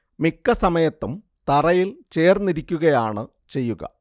മിക്ക സമയത്തും തറയിൽ ചേർന്നിരിക്കുകയാണ് ചെയ്യുക